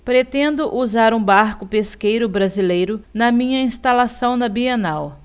pretendo usar um barco pesqueiro brasileiro na minha instalação na bienal